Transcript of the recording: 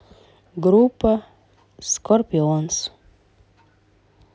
группа скорпионс